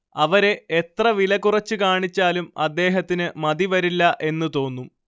അവരെ എത്ര വിലകുറച്ചുകാണിച്ചാലും അദ്ദേഹത്തിന് മതിവരില്ല എന്നു തോന്നും